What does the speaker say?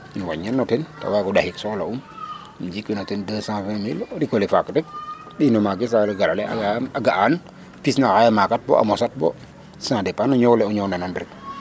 In wañan no ten ta waago ɗaxik soxla'um, um jikwin o ten 220000 .O rik ole faak rek o ɓiy no maages a gar a laye a ga'an pis na xay a maaka bo a mosat bo saa dépend no ñoowin ole o ñoownan rek.